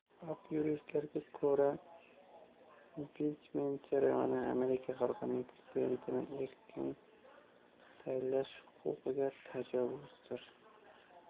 apyuristlarga ko'ra impichment jarayoni amerika xalqining prezidentini emin erkin saylash huquqiga tajovuzdir